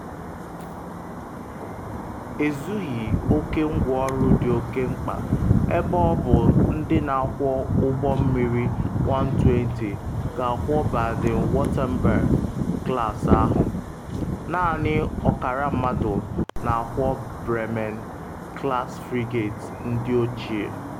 Ezughị oke ngwanro dị oke mkpa ebe ọ bụ ndị na-akwọ ụgbọ mmiri 120 ga-akwọ Baden-Wuerttemberg-class ahụ - naanị ọkara mmadụ na-akwọ Bremen class frigate ndị ochie.